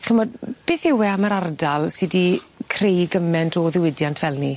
Ch'mod beth yw e am yr ardal sy 'di creu gyment o ddiwydiant fel 'ny?